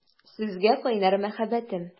Сезгә кайнар мәхәббәтем!